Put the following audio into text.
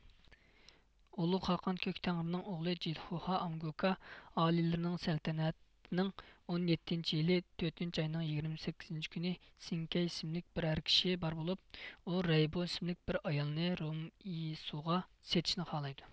ئۇلۇغ خاقان كۆك تەڭرىنىڭ ئوغلى جىتخۇھا ئامگوكا ئالىيلىرىنىڭ سەلتەنىتىنىڭ ئون يەتتىنچى يىلى تۆتىنچى ئاينىڭ يىگىرمە سەككىزىنچى كۈنى سېڭكەي ئىسىملىك بىر ئەر كىشى بار بولۇپ ئۇ رەيبو ئىسىملىك بىر ئايالنى رومېيسۇغا سېتىشنى خالايدۇ